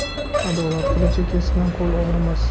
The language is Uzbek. adolat qilichi kesgan qo'l og'rimas